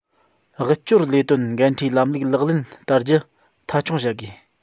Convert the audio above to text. དབུལ སྐྱོར ལས དོན འགན འཁྲིའི ལམ ལུགས ལག ལེན བསྟར རྒྱུ མཐའ འཁྱོངས བྱ དགོས